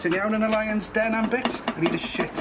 Ti'n iawn yn y lion's den am bit? I need a shit.